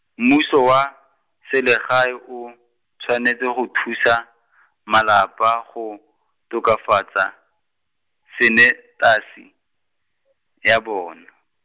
mmuso wa, selegae, o, tshwanetse go thusa, malapa go, tokafatsa, sanetasi, ya bona.